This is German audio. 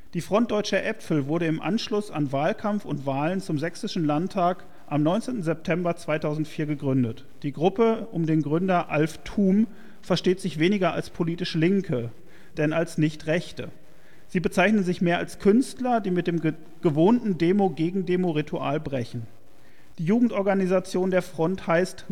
Die Front Deutscher Äpfel wurde im Anschluss an Wahlkampf und Wahlen zum Sächsischen Landtag am 19. September 2004 gegründet. Die Gruppe um den Gründer Alf Thum versteht sich weniger als politisch Linke, denn als Nicht-Rechte. Sie bezeichnen sich mehr als Künstler, die mit dem gewohnten Demo-Gegendemo-Ritual brechen. Die Jugendorganisation der Front heißt